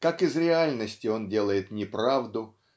как из реальности он делает неправду